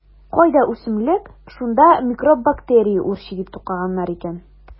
Кайда үсемлек - шунда микроб-бактерия үрчи, - дип тукыганнар икән.